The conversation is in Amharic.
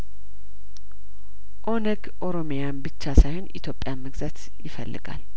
ኦነግ ኦሮሚያን ብቻ ሳይሆን ኢትዮጵያን መግዛት ይፈልጋል